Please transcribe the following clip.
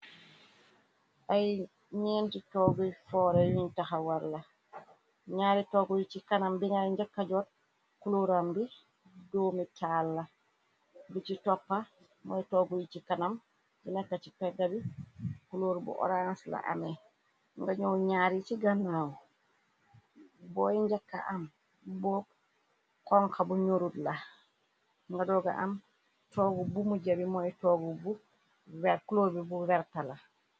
Ay ñeenti togguy foore yuñ taxawar la ñaari toggu yi ci kanam bi ñay njakajot klóuram bi doomi taal la bi ci toppa mooy toggu yi ci kanam jina ka ci peggabi kuluur bu orange la ame nga ñuow ñaar yi ci gannaaw booy njakka am boo konka bu ñurut la nga dooga am toogu bu mu jabi mooy toogu clorbi bu werta la.